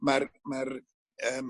ma'r ma'r yym